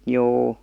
juu